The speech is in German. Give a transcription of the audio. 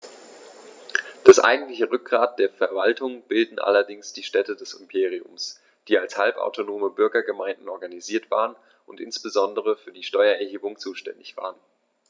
Das eigentliche Rückgrat der Verwaltung bildeten allerdings die Städte des Imperiums, die als halbautonome Bürgergemeinden organisiert waren und insbesondere für die Steuererhebung zuständig waren.